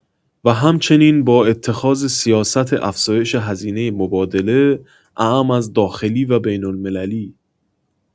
و هم‌چنین با اتخاذ سیاست افزایش هزینۀ مبادله، اعم از داخلی و بین‌المللی